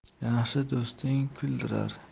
yaxshi do'sting kuldirar